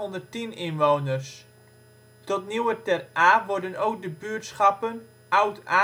Ter Aa heeft 1210 inwoners (2004). Tot Nieuwer Ter Aa worden ook de buurtschappen, Oud-Aa